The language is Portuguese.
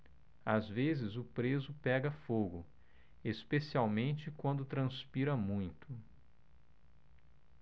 às vezes o preso pega fogo especialmente quando transpira muito